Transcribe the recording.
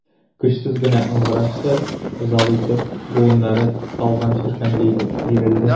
Көчсез генә ыңгырашты, озак итеп, буыннары талганчы тәмле итеп киерелде.